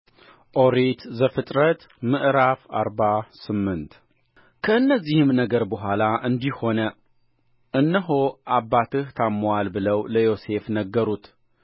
ኦሪት ዘፍጥረት ምዕራፍ አርባ ስምንት ከዚህም ነገር በኋላ እንዲህ ሆነ እነሆ አባትህ ታምሞአል ብለው ለዮሴፍ ነገሩት